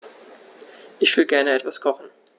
Ich will gerne etwas kochen.